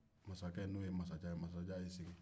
mansakɛ n'o ye masajan ye masajan y'i sigi